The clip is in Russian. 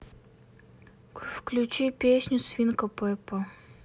включи песню свинка пеппа